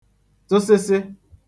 tụsịsị